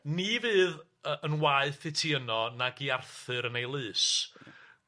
Ni fydd yy yn waeth i ti yno nag i Arthur yn ei lys.